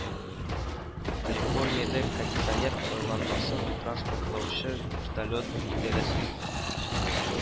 Калифорниядә кондиционер айланмасын транспортлаучы вертолет, идарәсен